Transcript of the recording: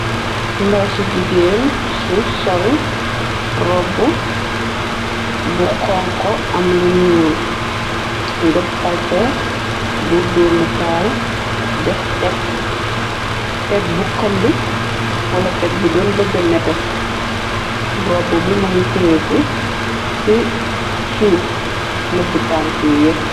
Ndaw su jigeen su sol robb bu xonko, am lu nuul, ngëb kalpe bu doomu taal, def teg, teg bu xëll, wala teg bu doon bëggan nete, robb bi mu ngi fireeku ci suuf, na bu tank yepp.